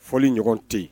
Foli ɲɔgɔnɲɔgɔn tɛ yen